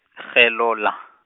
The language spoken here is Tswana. gelola.